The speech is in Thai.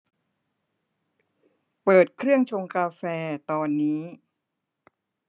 เปิดเครื่องชงกาแฟตอนนี้